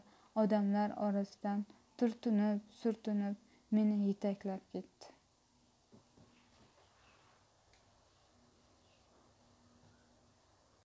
odamlar orasidan turtinib surtinib meni yetaklab ketdi